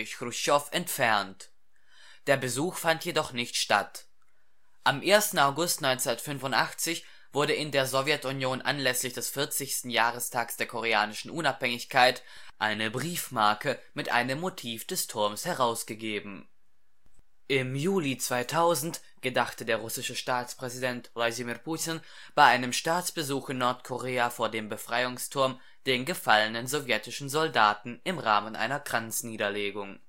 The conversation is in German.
Chruschtschow entfernt. Der Besuch fand jedoch nicht statt. Am 1. August 1985 wurde in der Sowjetunion anlässlich des 40. Jahrestags der Koreanischen Unabhängigkeit eine Briefmarke mit einem Motiv des Turms herausgegeben. Im Juli 2000 gedachte der russische Staatspräsident Wladimir Putin bei einem Staatsbesuch in Nordkorea vor dem Befreiungsturm den gefallenen sowjetischen Soldaten im Rahmen einer Kranzniederlegung